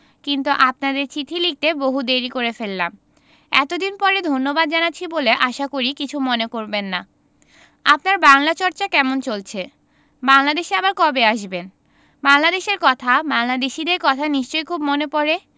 কিন্তু আপনাদের চিঠি লিখতে বহু দেরী করে ফেললাম এতদিন পরে ধন্যবাদ জানাচ্ছি বলে আশা করি কিছু মনে করবেন না আপনার বাংলা চর্চা কেমন চলছে বাংলাদেশে আবার কবে আসবেন বাংলাদেশের কথা বাংলাদেশীদের কথা নিশ্চয় খুব মনে পরে